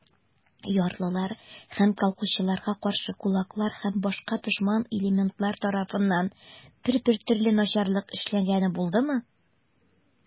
Ярлылар һәм колхозчыларга каршы кулаклар һәм башка дошман элементлар тарафыннан бер-бер төрле начарлык эшләнгәне булдымы?